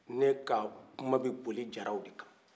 ne ka kuma bɛ boli jaraw de kan